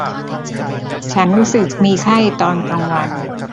ฉันรู้สึกมีไข้ตอนกลางวัน